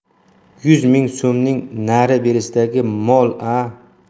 yuz ming so'mning nari berisidagi mol a